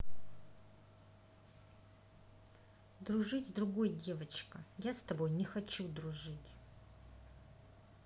дружить с другой девочка я с тобой не хочу дружить